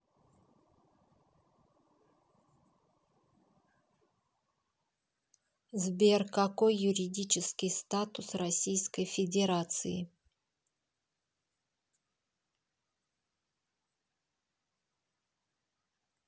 сбер какой юридический статус российской федерации